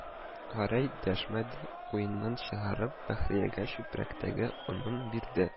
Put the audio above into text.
Гәрәй дәшмәде, куеныннан чыгарып Бәхриягә чүпрәктәге онны бирде